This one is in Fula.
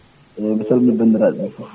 eyyi mi salmini bandiraɓe foof